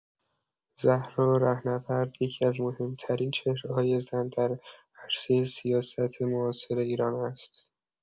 زهرا رهنورد یکی‌از مهم‌ترین چهره‌های زن در عرصه سیاست معاصر ایران است.